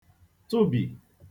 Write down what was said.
tụbì